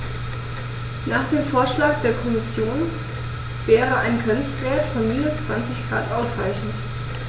Nach dem Vorschlag der Kommission wäre ein Grenzwert von -20 ºC ausreichend.